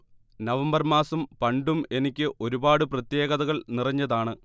November മാസം പണ്ടും എനിക്ക് ഒരുപാട് പ്രത്യേകതകൾ നിറഞ്ഞതാണ്